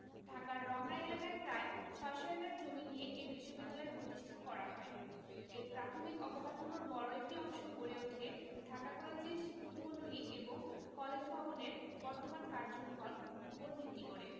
ঢাকার রমনা এলাকার প্রায় ৬০০ একর জমি নিয়ে এ বিশ্ববিদ্যালয় প্রতিষ্ঠা করা হয় এর প্রাথমিক অবকাঠামোর বড় একটি অংশ গড়ে উঠে ঢাকা কলেজের শিক্ষকমন্ডলী এবং কলেজ ভবনের বর্তমান কার্জন হল উপর ভিত্তি করে